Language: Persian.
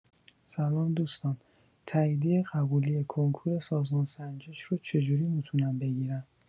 سلام دوستان، تاییدیه قبولی کنکور سازمان سنجش رو چجوری می‌تونم بگیرم؟